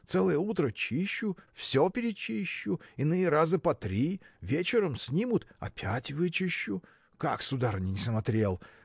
целое утро чищу, всё перечищу, иные раза по три вечером снимут – опять вычищу. Как, сударыня, не смотрел